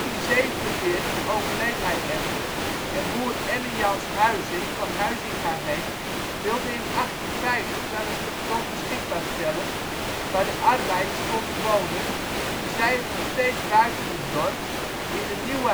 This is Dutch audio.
In 1847 overleed hij echter en boer Enne Jans Huizing van Huizingaheem wilde in 1850 wel een stuk grond beschikbaar stellen waar de arbeiders konden wonen, zij het nog steeds buiten het dorp, in de " Nieuwe Huizen